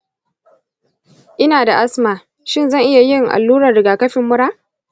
ina da asma; shin zan iya yin allurar rigakafin mura?